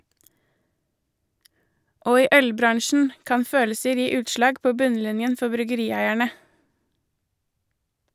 Og i øl-bransjen kan følelser gi utslag på bunnlinjen for bryggerieierne.